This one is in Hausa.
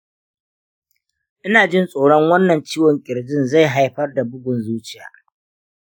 ina jin tsoron wannan ciwon kirjin zai haifar da bugun zuciya.